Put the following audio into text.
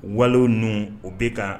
Walew ninnu u bɛ kan